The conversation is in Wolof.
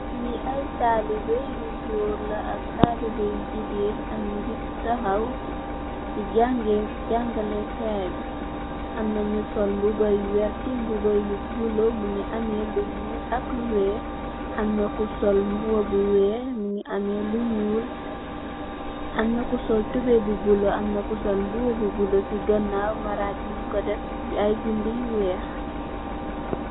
Li ay talibe yu goor la ak ay talibe yu jigeen am nu taxaw si jànge jangale kai bi amna nu sol mbuba yu werta mbuba yu bulo mongi ame lu nuul ak lu weex amna ko sol mbuba bu weex mogi ame lu nuul amna ku sol tubay bu bolu amna ko sol mbuba bu bulo si ganaw marag bi nyun ko def ay binda yu weex.